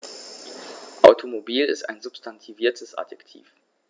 Automobil ist ein substantiviertes Adjektiv.